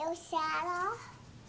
eo xa đó